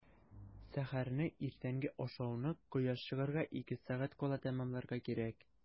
Сәхәрне – иртәнге ашауны кояш чыгарга ике сәгать кала тәмамларга кирәк.